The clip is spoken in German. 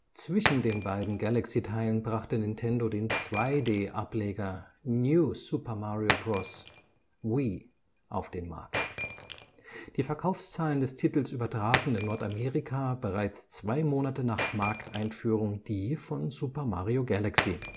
Zwischen den beiden Galaxy-Teilen brachte Nintendo den 2D-Ableger New Super Mario Bros. Wii (Wii, 2009) auf den Markt. Die Verkaufszahlen des Titels übertrafen in Nordamerika bereits zwei Monate nach Markteinführung die von Super Mario Galaxy